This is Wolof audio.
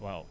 waaw